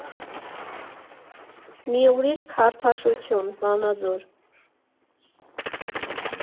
Մի ուրիշ քարտաշություն, Վանաձոր։